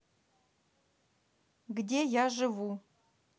где я живу